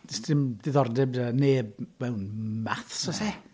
Does ddim ddiddordeb 'da neb mewn maths, oes e?